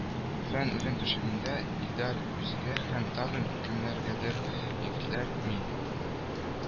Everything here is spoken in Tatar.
Фан үлем түшәгендә илдар юзигә һәм тагын кемнәргәдер: «егетләр, мин